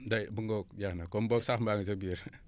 day mu ngoog jeex na comme boog sax nga sa biir